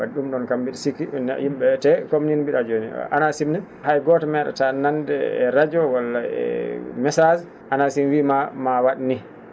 ?um ?oon kam mbi?o sikki yim?e te coome: fra nii no mbi?a jooni ANACIM ne hay gooto mee?ata nande e radio walla e message ANACIM wi ma ma wa? ni